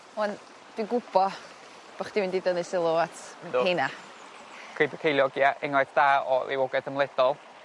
'Wan dwi'n gwybo bo' chdi mynd i dynnu sylw at y rheina. Crib y Ceiliog ie enghraifft da o rywogaeth ymledol.